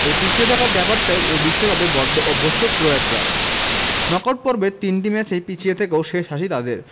এই পিছিয়ে থাকার ব্যাপারটায় এই বিশ্বকাপে বড্ড অভ্যস্ত ক্রোয়াটরা নক আউট পর্বের তিনটি ম্যাচই পিছিয়ে থেকেও শেষ হাসি তাদের